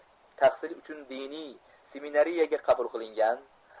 tahsil uchun diniy seminariyaga qabul qilingan